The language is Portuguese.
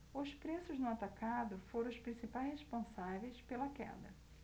os preços no atacado foram os principais responsáveis pela queda